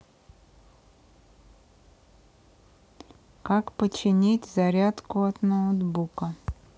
как починить зарядку от ноутбука